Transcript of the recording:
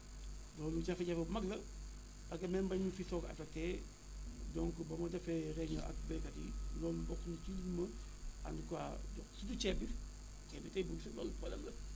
loolu jafe-jafe bu mag la parce même bañ ma fiy soog a affecté donc ba ma defee réunion ak béykat yi yooyu bokk na ci yi ñu ma en tout cas surtout ceeb bi ceeb bi ceeb bi fii loolu problème la fi